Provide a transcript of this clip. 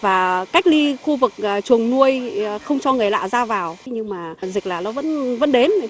và cách ly khu vực à chuồng nuôi không cho người lạ ra vào thế nhưng mà dịch là nó vẫn vẫn đến